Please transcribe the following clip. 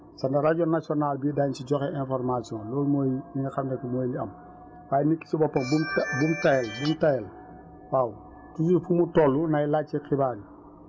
sama rajo nationale bi daañu si joxe information loolu mooy li nga xam ne mooy li am waaye nit ki si boppam bum bum tayal bum tayal waaw toujours fu mu toll nay laajte xibaar yi